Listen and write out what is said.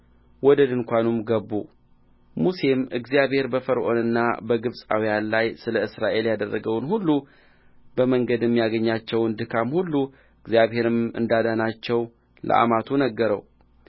ወደ ድንኳኑም ገቡ ሙሴም እግዚአብሔር በፈርዖንና በግብፃውያን ላይ ስለ እስራኤል ያደረገውን ሁሉ በመንገድም ያገኛቸውን ድካም ሁሉ እግዚአብሔርም እንዳዳናቸው ለአማቱ ነገረው